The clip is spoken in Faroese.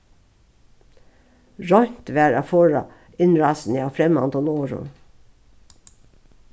roynt varð at forða innrásini av fremmandum orðum